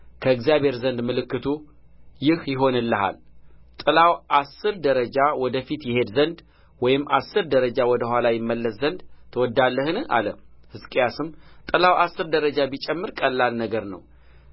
ከእግዚአብሔር ዘንድ ምልክቱ ይህ ይሆንልሃል ጥላው አሥር ደረጃ ወደ ፊት ይሄድ ዘንድ ወይም አሥር ደረጃ ወደ ኋላ ይመለስ ዘንድ ትወድዳለህን አለ ሕዝቅያስም ጥላው አሥር ደረጃ ቢጨምር ቀላል ነገር ነው